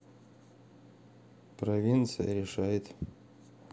провинция решает